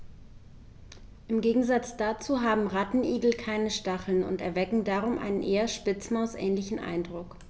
Im Gegensatz dazu haben Rattenigel keine Stacheln und erwecken darum einen eher Spitzmaus-ähnlichen Eindruck.